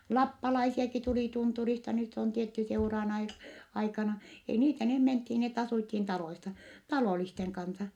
lappalaisiakin tuli tunturista nyt on tietty seurojen - aikana ei niitä ne mentiin ne asuttiin taloissa talollisten kanssa